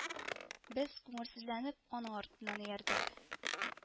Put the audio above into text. Без, күңелсезләнеп, аның артыннан иярдек